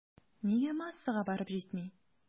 Нигә массага барып җитми?